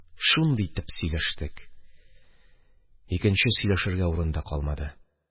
Шундый итеп сөйләштек, икенче сөйләшергә урын да калмады.